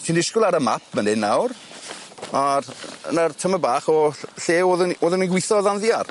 Ti'n disgwl ar y map myn' 'yn nawr a o'dd yna'r tama' bach o ll- lle oddwn ni oddwn ni'n gwitho o ddan ddiar.